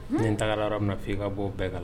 Den taara yɔrɔ min na f' i ka bɔ bɛɛ ka la